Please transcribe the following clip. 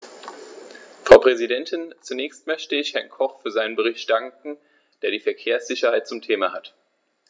Frau Präsidentin, zunächst möchte ich Herrn Koch für seinen Bericht danken, der die Verkehrssicherheit zum Thema hat.